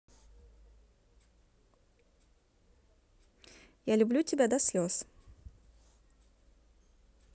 я люблю тебя до слез